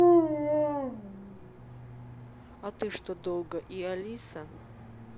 ты что долго и алиса